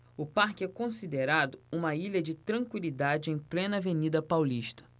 o parque é considerado uma ilha de tranquilidade em plena avenida paulista